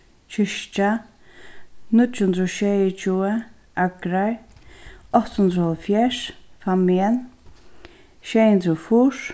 kirkja níggju hundrað og sjeyogtjúgu akrar átta hundrað og hálvfjerðs fámjin sjey hundrað og fýrs